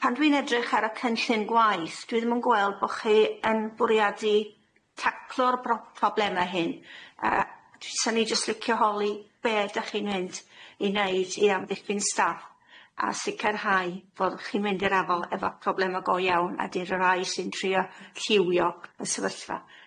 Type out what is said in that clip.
Pan dwi'n edrych ar y cynllun gwaith dwi ddim yn gweld bo' chi yn bwriadu taclo'r bro- probleme hyn a dwi synnu jyst licio holi be' y- dach chi'n mynd i neud i amddiffyn staff a sicirhau fod chi'n mynd i'r afol efo problema go iawn a di'r y rai sy'n trio lliwio y sefyllfa.